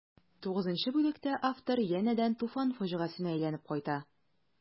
Тугызынчы бүлектә автор янәдән Туфан фаҗигасенә әйләнеп кайта.